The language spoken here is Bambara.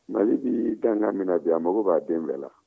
mali bɛ da ɲɛ min na bi a mago bɛ a den bɛɛ la